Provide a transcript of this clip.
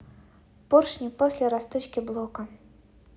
поршни после росточки блока